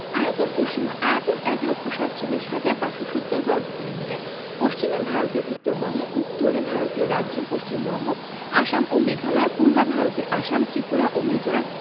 আয়তন ও সীমাঃ আয়তন ১লক্ষ ৪৭হাজার ৫৭০বর্গকিলোমিটার পশ্চিমে ভারতের পশ্চিমবঙ্গ উত্তরে ভারতীয় রাজ্য পশ্চিমবঙ্গ আসাম ও মেঘালয় পূর্বে ভারতের আসাম ত্রিপুরা ও মিজোরাম